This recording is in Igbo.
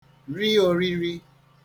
ri oriri